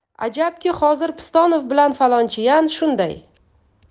ajabki hozir pistonov bilan falonchiyan shunday